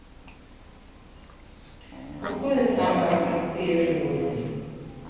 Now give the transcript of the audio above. какое самое простые животные